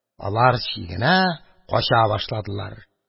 Алар чигенә, кача башладылар.